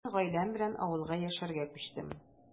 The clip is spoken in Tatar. Мин гаиләм белән авылга яшәргә күчтем.